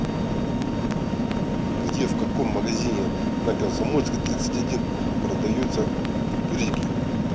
где в каком магазине на комсомольской тридцать один продается пупырки